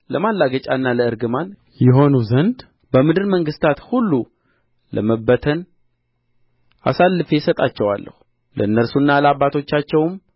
ለማላገጫና ለእርግማን ይሆኑ ዘንድ በምድር መንግሥታት ሁሉ ለመበተን አሳልፌ እሰጣቸዋለሁ ለእነርሱና ለአባቶቻቸውም